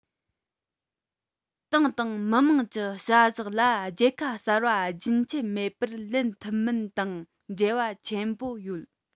ཏང དང མི དམངས ཀྱི བྱ གཞག ལ རྒྱལ ཁ གསར པ རྒྱུན ཆད མེད པར ལེན ཐུབ མིན དང འབྲེལ བ ཆེན པོ ཡོད